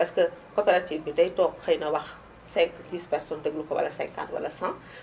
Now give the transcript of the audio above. parce que coopérative bi day toog xëyna wax 5 10 personnes déglu ko walla 50 walla 100